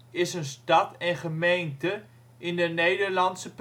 is een stad en gemeente in de Nederlandse